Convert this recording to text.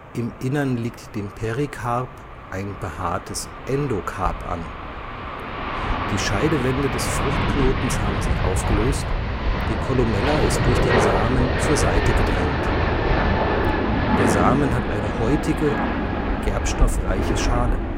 Im Inneren liegt dem Perikarp ein behaartes Endokarp an. Die Scheidewände des Fruchtknotens haben sich aufgelöst, die Columella ist durch den Samen zur Seite gedrängt. Der Samen hat eine häutige, gerbstoffreiche Schale